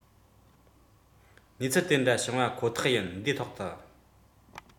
གནད དོན འབྱུང སྲིད ཀྱི ཁོ ཐག རེད